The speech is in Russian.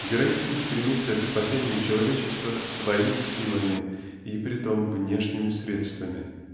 Героизм стремится к спасению человечества своими силами и притом внешними средствами